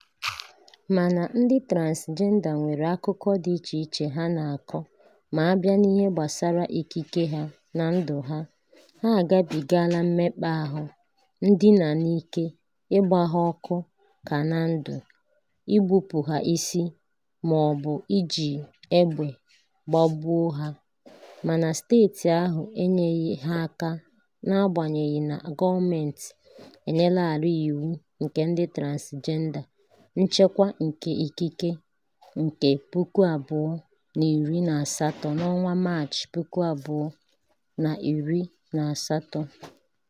Mana, ndị transịjenda nwere akụkọ dị iche ha ga-akọ ma a bịa n'ihe gbasara ikike ha na ndụ ha; ha agibigaala mmekpa ahụ, ndina n'ike, ịgba ha ọkụ ka na ndụ, igbupụ ha isi ma ọbụna iji egbe gbagbuo ha, mana steeti ahụ enyeghị ha aka na-agbanyeghị na gọọmentị enyelaarị Iwu nke Ndị Transịjenda (Nchekwa nke Ikike) nke 2018 n'ọnwa Maachị 2018.